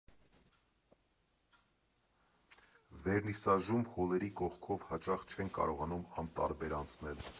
Վերնիսաժում հոլերի կողքով հաճախ չեն կարողանում անտարբեր անցնել.